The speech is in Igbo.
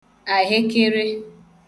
àhekere